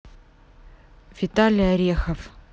виталий орехов